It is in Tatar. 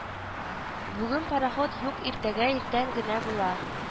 Бүген пароход юк иртәгә иртән генә була